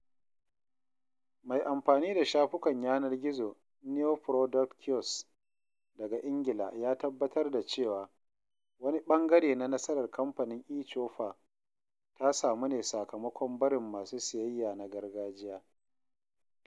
Mai amfani da shafukan yanar gizo NeoProducts Kiosks daga Ingila ya tabbatar da cewa, wani ɓangare na nasarar Kamfanin eChoupal ta samu ne sakamakon barin masu siyayya na gargajiya